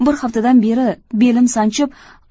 bir haftadan beri belim sanchib